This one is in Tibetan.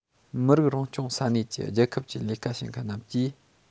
མི རིགས རང སྐྱོང ས གནས ཀྱི རྒྱལ ཁབ ཀྱི ལས ཀ བྱེད མཁན རྣམས ཀྱིས